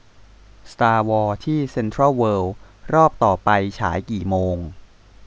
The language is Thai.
สตาร์วอร์ที่เซ็นทรัลเวิลด์รอบต่อไปฉายกี่โมง